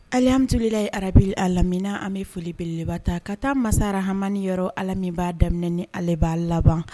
Alehamidulilahi ararabul aalamina an bɛ foli belebeleba ta ka taa masara hamani yɔrɔ alllah min b'a daminɛ ni ale b'a laban